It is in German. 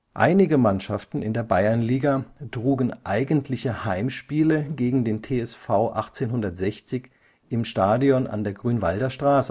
Einige Mannschaften in der Bayernliga trugen eigentliche Heimspiele gegen den TSV 1860 im Stadion an der Grünwalder Straße